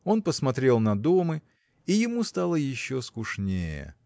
Он посмотрел на домы – и ему стало еще скучнее